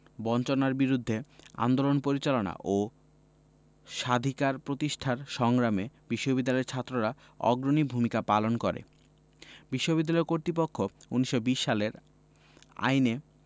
বঞ্চনার বিরুদ্ধে আন্দোলন পরিচালনা ও স্বাধিকার প্রতিষ্ঠার সংগ্রামে বিশ্ববিদ্যালয়ের ছাত্ররা অগ্রণী ভূমিকা পালন করে বিশ্ববিদ্যালয় কর্তৃপক্ষ ১৯২০ সালের আইনে